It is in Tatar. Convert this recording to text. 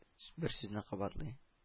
Бер сүзне кабатлый: